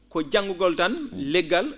ko jaggugol tan le?gal